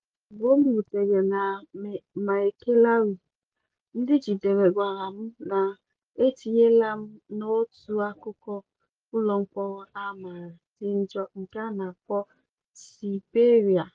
Mana ozugbo m rutere na Maekelawi, ndị e jidere gwara m na etinyela m n’otu akụkụ ụlọmkpọrọ a maara dị njọ nke a na-akpọ “Siberia”.